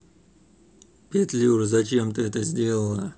петлюра зачем ты это сделала